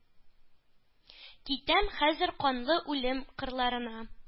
Китәм хәзер канлы үлем кырларына!